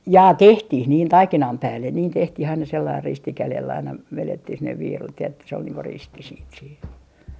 jaa tehtiin niin taikinan päälle niin tehtiin aina sellainen risti kädellä aina vedettiin sinne viirut ja että se oli niin kuin risti sitten siinä